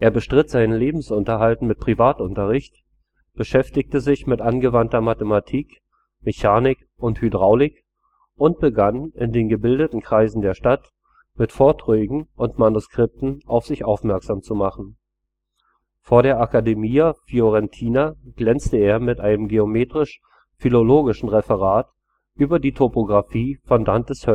bestritt seinen Lebensunterhalt mit Privatunterricht, beschäftigte sich mit angewandter Mathematik, Mechanik und Hydraulik und begann, in den gebildeten Kreisen der Stadt mit Vorträgen und Manuskripten auf sich aufmerksam zu machen. Vor der Accademia Fiorentina glänzte er mit einem geometrisch-philologischen Referat über die Topografie von Dantes